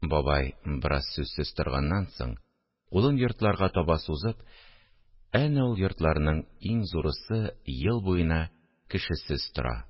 Бабай бераз сүзсез торганнан соң, кулын йортларга таба сузып: – Әнә ул йортларның иң зурысы ел буена кешесез тора